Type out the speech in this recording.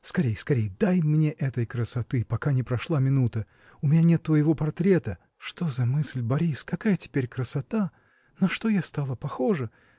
Скорей, скорей, дай мне этой красоты, пока не прошла минута. У меня нет твоего портрета. — Что за мысль, Борис! какая теперь красота! на что я стала похожа?